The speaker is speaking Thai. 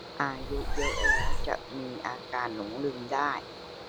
อายุเยอะแล้วจะมีอาการหลงลืมได้